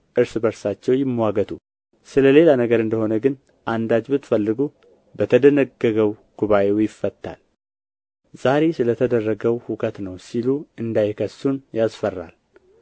እርስ በርሳቸው ይምዋገቱ ስለ ሌላ ነገር እንደ ሆነ ግን አንዳች ብትፈልጉ በተደነገገው ጉባኤ ይፈታል ዛሬ ስለ ተደረገው ሁከት ነው ሲሉ እንዳይከሱን ያስፈራልና